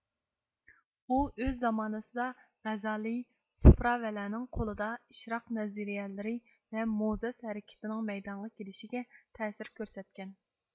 ئۇ ئۆز زامانىسىدا غەزالىي سۇھراۋەلەرنىڭ قولىدا ئىشراق نەزىرىيەلىرى ۋە موزەس ھەرىكىتىنىڭ مەيدانغا كىلىشىگە تەسىر كۆرسەتكەن